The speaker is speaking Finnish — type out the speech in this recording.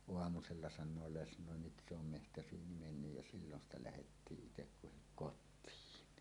aamulla sanoo lesnoi nyt se on metsäsyyniin mennyt ja silloin sitä lähdettiin itse kukin kotiin